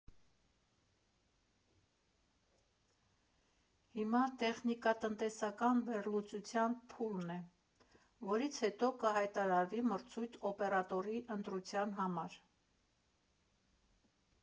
Հիմա տեխնիկատնտեսական վերլուծության փուլն է, որից հետո կհայտարարվի մրցույթ օպերատորի ընտրության համար։